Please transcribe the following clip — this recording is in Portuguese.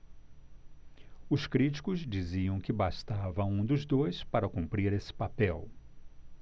os críticos diziam que bastava um dos dois para cumprir esse papel